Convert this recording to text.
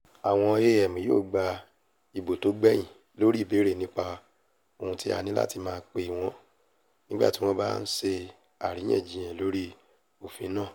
Àwọn AM yóò gba ìbò tó gbẹ̀yìn lóri ìbéèrè nípa ohun tí a ní láti máa pè wọn nígbà tí wọn bá ń ṣe àríyànjiyàn lórí òfin náà.